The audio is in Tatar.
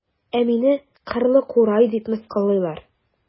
Ә мине кырлы курай дип мыскыллыйлар.